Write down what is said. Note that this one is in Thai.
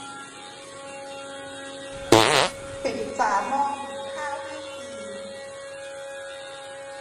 ปิดฝาหม้อหุงข้าวให้ที